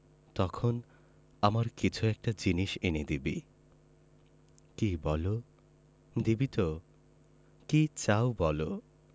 তখন আমার কিছু একটা জিনিস এনে দিবি কি বলো দিবি তো কি চাও বলো